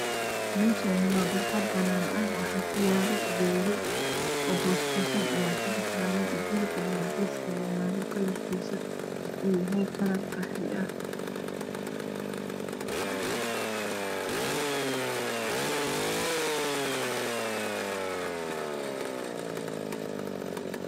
Me Shani wa bar xad ba Nan ah waxa ku yalo geedo okuskusan aya kabaxan guri aya geska uga yalo kalarkisa uyahay kalar qaxwi ah